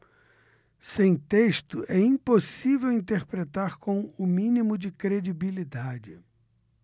sem texto é impossível interpretar com o mínimo de credibilidade